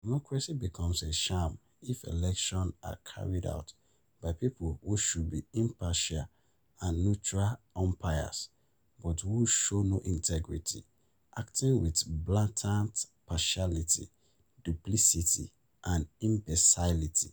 Democracy becomes a sham if elections are carried out by people who should be impartial and neutral umpires, but who show no integrity, acting with blatant partiality, duplicity and imbecility.